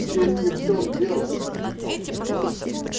-- Здесь не в том дело, -- вмешался кто-то.